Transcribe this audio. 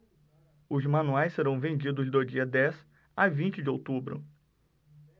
os manuais serão vendidos do dia dez a vinte de outubro